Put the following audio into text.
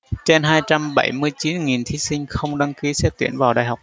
trên hai trăm bảy mươi chín nghìn thí sinh không đăng ký xét tuyển vào đại học